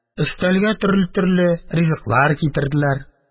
Өстәлгә төрле-төрле ризыклар китерделәр.